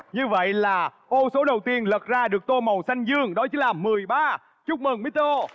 như vậy là ô số đầu tiên lật ra được tô màu xanh dương đó chính là mười ba chúc mừng mít tơ ô